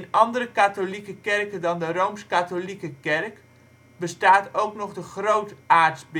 andere katholieke kerken dan de Rooms-Katholieke Kerk bestaat ook nog de grootaartsbisschop. Deze